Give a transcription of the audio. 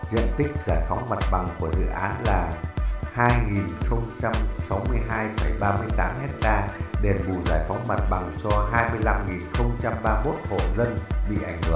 diện tích giải phóng mặt bằng của dự án là ha đền bù giải phóng mặt bằng cho hộ dân bị ảnh hưởng